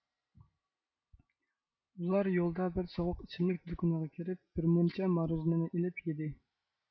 ئۇلار يولدا بىر سوغۇق ئىچىملىك دوكىنىغا كىرىپ بىرمۇنچە مارۇژنىنى ئېلىپ يىدى